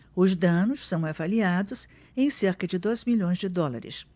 os danos são avaliados em cerca de dois milhões de dólares